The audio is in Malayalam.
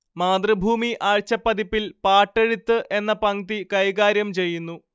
മാതൃഭൂമി ആഴ്ചപ്പതിപ്പിൽ പാട്ടെഴുത്ത് എന്ന പംക്തി കൈകാര്യം ചെയ്യുന്നു